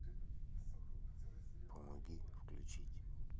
помоги включить